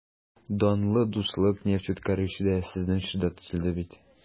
Данлы «Дуслык» нефтьүткәргече дә сезнең чорда төзелде бит...